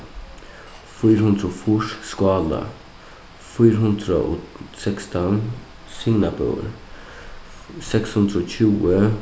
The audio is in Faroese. fýra hundrað og fýrs skála fýra hundrað og sekstan signabøur seks hundrað og tjúgu